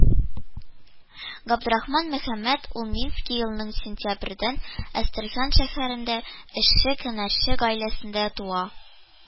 Габдрахман Мөхәммәт улы Минский елның сентябрендә Әстерхан шәһәрендә эшче-һөнәрче гаиләсендә туа